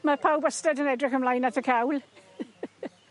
Ma' pawb wastad yn edrych ymlaen at y cawl.